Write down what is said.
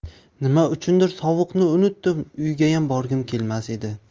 nima uchundir sovuqni unutdim uygayam borgim kelmas edi